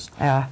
ja.